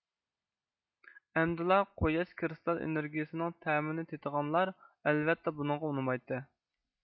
ئەمدىلا قۇياش كرىستال ئېنىرگىيىسىنىڭ تەمىنى تېتىغانلار ئەلۋەتتە بۇنىڭغا ئۇنىمايتتى